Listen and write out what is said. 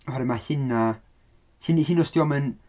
Oherwydd mae hynna... hyn- hyd yn oed os 'di o'm yn...